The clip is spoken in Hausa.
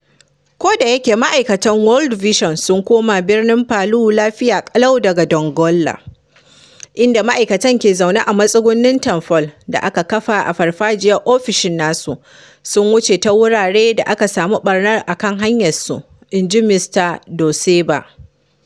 Kodayake ma’aikatan World Vision sun koma birnin Palu lafiya ƙalau daga Donggala, inda ma’aikatan ke zaune a matsugunan tanfol da aka kafa a farfajiyar ofishin nasu, sun wuce ta wuraren da aka samu ɓarnar akan hanyarsu, inji Mista Doseba.